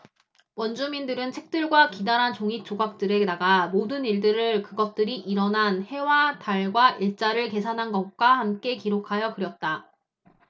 원주민들은 책들과 기다란 종잇조각들에다가 모든 일들을 그것들이 일어난 해와 달과 일자를 계산한 것과 함께 기록하여 그렸다